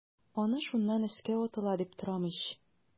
Аны шуннан өскә атыла дип торам ич.